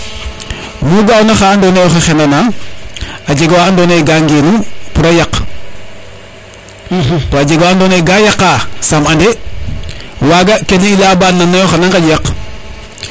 mu ga oa oxa ando naye oxey xendana a jega wa ando naye ga ngenu pour a yaq to a jega wa ando naye ga yaqa saam ande waga kene i leya ba nana yo xana ŋaƴ yaq